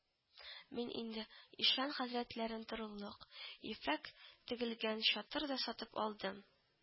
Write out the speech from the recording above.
Мин инде ишан хәзрәтләрен торырлык, ефәк тегелгән чатыр да сатып алдым